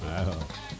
wawaw